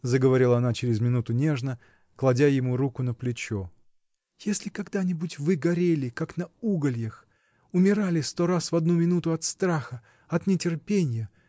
— заговорила она через минуту нежно, кладя ему руку на плечо, — если когда-нибудь вы горели, как на угольях, умирали сто раз в одну минуту от страха, от нетерпения.